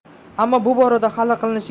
ammo'bu borada hali qilinishi